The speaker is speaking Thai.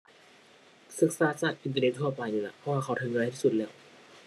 ศึกษาจากอินเทอร์เน็ตทั่วไปนี่ล่ะ เพราะว่าเข้าถึงง่ายที่สุดแล้ว